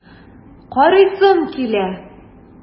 Карыйсым килә!